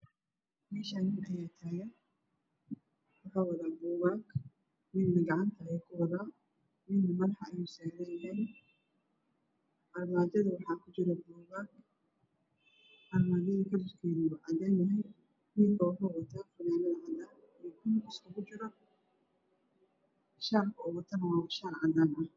Meeshaan nin ayaa taagan wuxuu wadaa buugaag midna gacanta ayuu ku wadaa midna madaxa ayuu saaranyahay armaajada waxaa ku jiro buugaag armaajada kalarkeeda uu cadaan yahay ninba wuxuu wataa fanaanad cadaan iyo buluug iskugu jiro shaarka uu watana waa cadaan ah